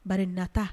Bari nata